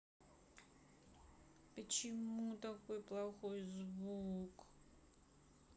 почему такой плохой звук